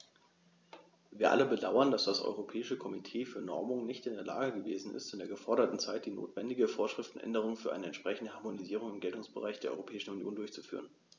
Wir alle bedauern, dass das Europäische Komitee für Normung nicht in der Lage gewesen ist, in der geforderten Zeit die notwendige Vorschriftenänderung für eine entsprechende Harmonisierung im Geltungsbereich der Europäischen Union durchzuführen.